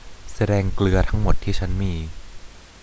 แสดงเกลือทั้งหมดที่ฉันมี